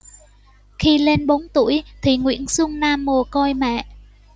khi lên bốn tuổi thì nguyễn xuân nam mồ côi mẹ